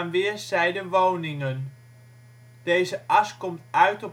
weerszijden woningen. Deze as komt uit